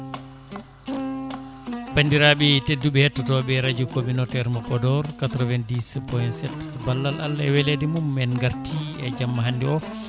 bandiraɓe tedduɓe hettotoɓe radio communautaire mo Podor 90 POINT 7 balal Allah e weelede mum en garti e jamma hande o